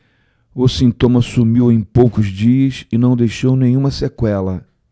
o sintoma sumiu em poucos dias e não deixou nenhuma sequela